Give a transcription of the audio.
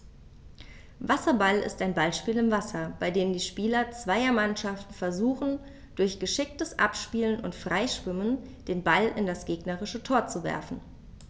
Wasserball ist ein Ballspiel im Wasser, bei dem die Spieler zweier Mannschaften versuchen, durch geschicktes Abspielen und Freischwimmen den Ball in das gegnerische Tor zu werfen.